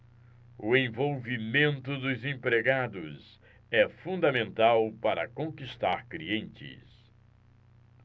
o envolvimento dos empregados é fundamental para conquistar clientes